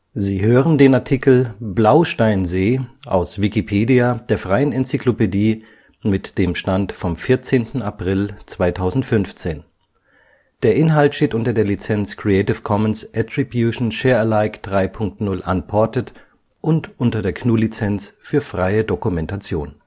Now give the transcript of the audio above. Sie hören den Artikel Blausteinsee, aus Wikipedia, der freien Enzyklopädie. Mit dem Stand vom Der Inhalt steht unter der Lizenz Creative Commons Attribution Share Alike 3 Punkt 0 Unported und unter der GNU Lizenz für freie Dokumentation